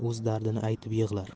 o'z dardini aytib yig'lar